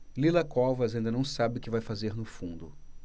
lila covas ainda não sabe o que vai fazer no fundo